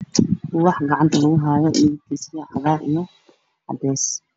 Waa ubax gacanta lugu haayo midabkiisu waa cagaar iyo cadeys.